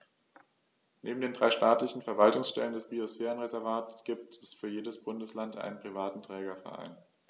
Neben den drei staatlichen Verwaltungsstellen des Biosphärenreservates gibt es für jedes Bundesland einen privaten Trägerverein.